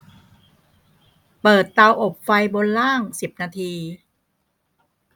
เปิดเตาอบไฟบนล่างสิบนาที